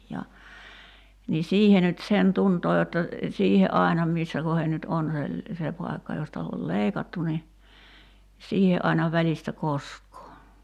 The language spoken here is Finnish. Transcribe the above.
ja niin siihen nyt sen tuntee jotta siihen aina missä kohden nyt on se se paikka josta on leikattu niin siihen aina välistä koskee